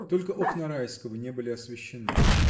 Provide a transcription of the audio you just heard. Только окна Райского не были освещены.